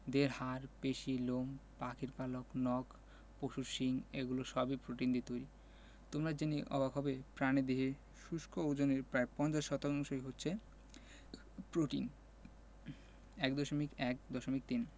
দেহের হাড় পেশি লোম পাখির পালক নখ পশুর শিং এগুলো সবই প্রোটিন দিয়ে তৈরি হয় তোমরা জেনে অবাক হবে প্রাণীদেহের শুষ্ক ওজনের প্রায় ৫০% হচ্ছে প্রোটিন ১.১.৩